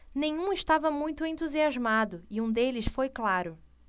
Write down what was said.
nenhum estava muito entusiasmado e um deles foi claro